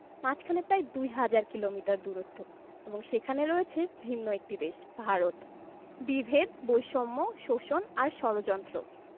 মাঝখানে প্রায় দুই হাজার কিলোমিটার দূরত্ব এবং সেখানে রয়েছে ভিন্ন একটি দেশ ভারত বিভেদ বৈষম্য শোষণ আর ষড়যন্ত্র